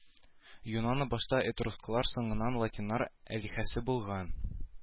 Юнона башта этрусклар соңыннан латиннар алиһәсе булган